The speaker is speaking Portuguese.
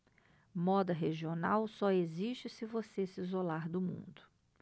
moda regional só existe se você se isolar do mundo